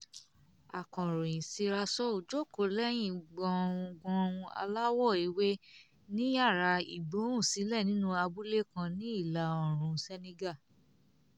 Akọ̀ròyìn Sira Sow jókòó lẹ́hìn gbohùgbohùn aláwọ̀ ewé ní yàrá ìgbohùnsílẹ̀ nínú abúlé kan ní ìlà-oòrùn Senegal.